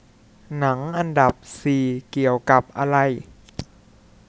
หนังอันดับสี่เกี่ยวกับอะไร